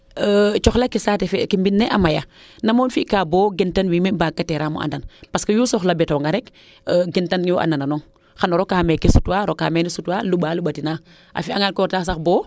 coxla ke mbi'ne a maya nam im fi kaa bo gentan we mi mbaag ka tiraamo andaan parce que yuu soxla betoonga rek gentan we anda nong xano roka meeke sutwa roka meeke sutwa luɓa luɓ tina a fiya ngaan koy o reta sax boo